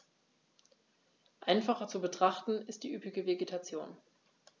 Einfacher zu betrachten ist die üppige Vegetation.